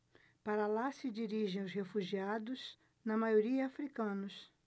para lá se dirigem os refugiados na maioria hútus